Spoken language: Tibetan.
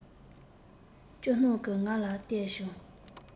སྐྱོ སྣང གིས ང ལ བལྟས བྱུང